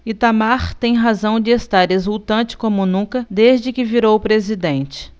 itamar tem razão de estar exultante como nunca desde que virou presidente